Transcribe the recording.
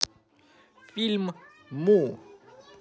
фильм му